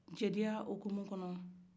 jeliya o kumu kɔnɔ